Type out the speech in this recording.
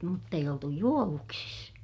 mutta ei oltu juovuksissa